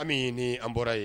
Amii nii an bɔra ye